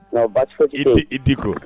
Non basi fosi te ye i Di i Dicko